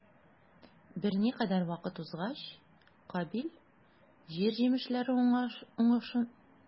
Берникадәр вакыт узгач, Кабил җир җимешләре уңышыннан Раббыга бүләк китерде.